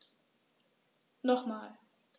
Nochmal.